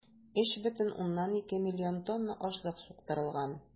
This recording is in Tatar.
3,2 млн тонна ашлык суктырылган.